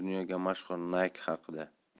dunyoga mashhur nike haqida